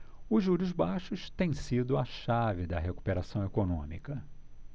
os juros baixos têm sido a chave da recuperação econômica